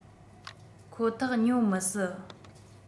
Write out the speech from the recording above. ཁོ ཐག ཉོ མི སྲིད